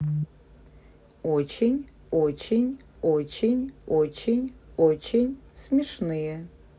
очень очень очень очень очень смешные